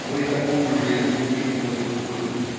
но и такую же измученную душу.